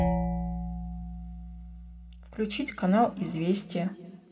включить канал известия